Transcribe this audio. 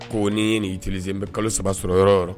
Ko ni t n bɛ kalo saba sɔrɔ yɔrɔ yɔrɔ